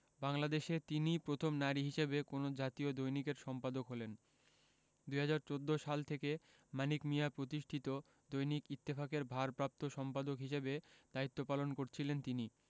বাংলাদেশে তিনিই প্রথম নারী হিসেবে কোনো জাতীয় দৈনিকের সম্পাদক হলেন ২০১৪ সাল থেকে মানিক মিঞা প্রতিষ্ঠিত দৈনিক ইত্তেফাকের ভারপ্রাপ্ত সম্পাদক হিসেবে দায়িত্ব পালন করছিলেন তিনি